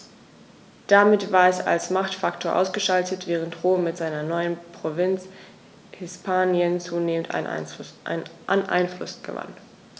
Damit war es als Machtfaktor ausgeschaltet, während Rom mit seiner neuen Provinz Hispanien zunehmend an Einfluss gewann.